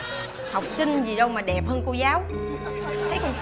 học sinh gì đâu mà đẹp hơn cô giáo thấy không